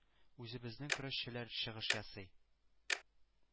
Үзебезнең көрәшчеләр чыгыш ясый.